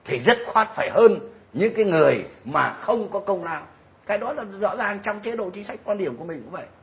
thì dứt khoát phải hơn những cái người mà không có công lao cái đó là rõ ràng trong chế độ chính sách quan điểm của mình cũng vậy